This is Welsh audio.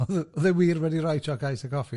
O'dd e o'dd e wir wedi roi choc ice a coffi?